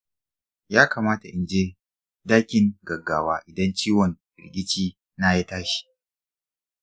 ya kamata in je dakin gaggawa idan ciwon firgici na ya tashi?